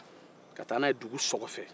ka taa n'u ye dugu so kɔ fɛ